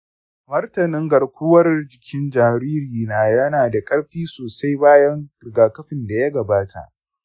martanin garkuwar jikin jaririna yana da ƙarfi sosai bayan rigakafi da ya gabata.